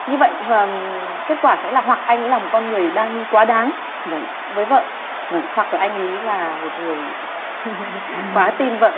như vậy kết quả sẽ là hoặc anh ấy là một con người đa nghi quá đáng với vợ hoặc là anh ý là một người quá tin vợ